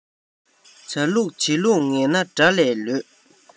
བྱ ལུགས བྱེད ལུགས ངན ན དགྲ ལས ལོད